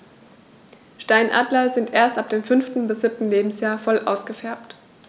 Steinadler sind erst ab dem 5. bis 7. Lebensjahr voll ausgefärbt.